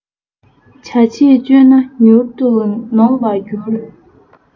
བྱ བྱེད བཅོལ ན མྱུར དུ ནོངས པར འགྱུར